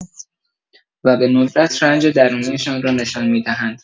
و به‌ندرت رنج درونی‌شان را نشان می‌دهند.